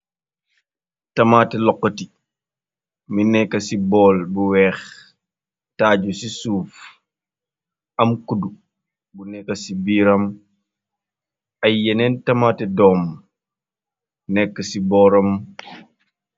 Tamateh lokoti mii neka cii borl bu wekh, taaju cii suff, am kudu bu neka cii biram, aiiy yenen tamateh dorm neku cii bohram.